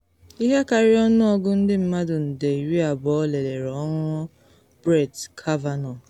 Ihe karịrị ọnụọgụ ndị mmadụ nde 20 lelere ọnụnụ Brett Kavanaugh